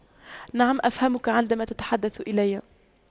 نعم أفهمك عندما تتحدث إلي